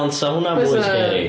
Ond 'sa hwnna'n fwy scary... Bysa!...